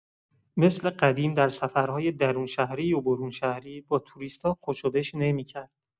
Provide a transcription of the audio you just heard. مثل قدیم در سفرهای درون‌شهری و برون‌شهری با توریست‌ها خوش و بش نمی‌کرد.